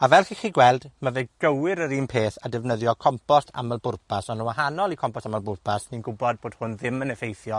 A fel chi 'llu gweld, ma' fe gywir yr un peth a defnyddio compost amal-bwrpas. On' yn wahanol i compos amal-bwrpas, ni'n gwbod bod hwn ddim yn effeithio